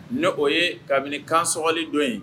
Ne o ye kabini kansoli don ye